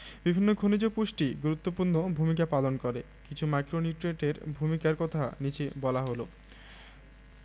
বিভিন্ন খনিজ পুষ্টি গুরুত্বপূর্ণ ভূমিকা পালন করে কিছু ম্যাক্রোনিউট্রিয়েন্টের ভূমিকার কথা নিচে বলা হল